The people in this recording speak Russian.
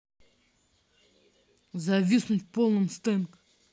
зависнуть в полном стенк